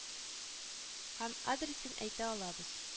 Һәм адресын әйтә алабыз